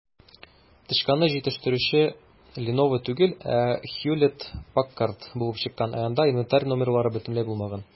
Тычканны җитештерүче "Леново" түгел, ә "Хьюлетт-Паккард" булып чыккан, ә анда инвентарь номерлары бөтенләй булмаган.